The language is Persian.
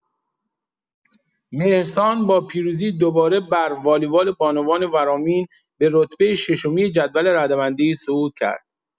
مهرسان با پیروزی دوباره بر والیبال بانوان ورامین به رتبه ششمی جدول رده‌بندی صعود کرد.